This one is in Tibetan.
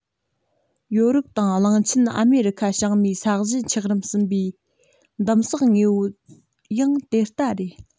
ཡོ རོབ དང གླིང ཆེན ཨ མེ རི ཁ བྱང མའི ས གཞི ཆགས རིམ གསུམ པའི དིམ བསགས དངོས པོ ཡང དེ ལྟ རེད